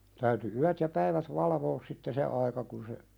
täytyi yöt ja päivät valvoa sitten se aika kun se